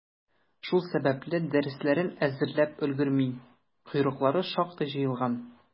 Шул сәбәпле, дәресләрен әзерләп өлгерми, «койрыклары» шактый җыелган.